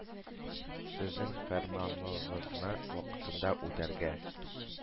Сезнең фәрманыгызны вакытында үтәргә,